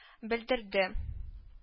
Белдерде